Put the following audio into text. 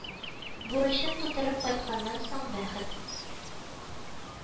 Бурычын тутырып кайтканнан соң, бәхет